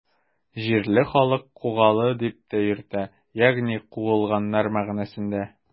Җирле халык Кугалы дип тә йөртә, ягъни “куылганнар” мәгънәсендә.